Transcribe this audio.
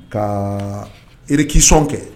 Ka réquisition kɛ